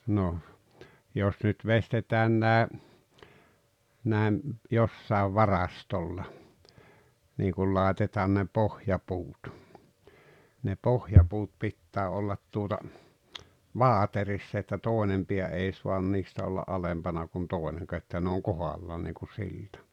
no jos nyt veistetään nämä nämä jossakin varastolla niin kun laitetaan ne pohjapuut ne pohjapuut pitää olla tuota vaaterissa että toinen pää ei saa niistä olla alempana kuin toinenkaan että ne on kohdallaan niin kuin silta